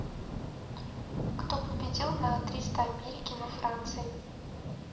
кто победил на триста америке во франции